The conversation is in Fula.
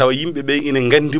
tawa yimɓeɓe ina gandimo